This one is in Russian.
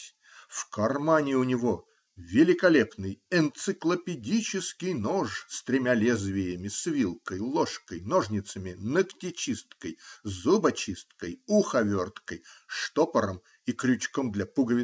В кармане у него великолепный энциклопедический нож с тремя лезвиями, с вилкой, ложкой, ножницами, ногтечисткой, зубочисткой, уховерткой, штопором и крючком для пуговиц